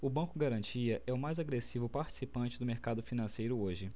o banco garantia é o mais agressivo participante do mercado financeiro hoje